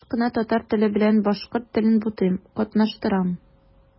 Еш кына татар теле белән башкорт телен бутыйм, катнаштырам.